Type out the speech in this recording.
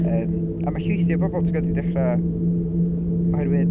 Yym, a mae llwythi o bobl timod 'di dechrau... oherwydd...